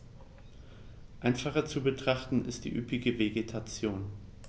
Einfacher zu betrachten ist die üppige Vegetation.